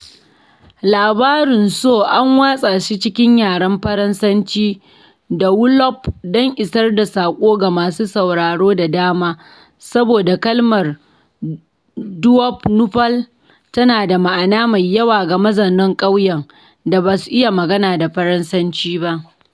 Labarin Sow an watsa shi cikin yaren Faransanci da Wolof don isar da saƙo ga masu sauraro da dama saboda kalmar ndeup neupal tana da ma'ana mai yawa ga mazaunan ƙauyen da ba su iya magana da Faransanci ba.